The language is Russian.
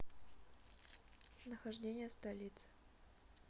нахождение столицы